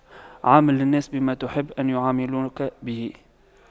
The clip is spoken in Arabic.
عامل الناس بما تحب أن يعاملوك به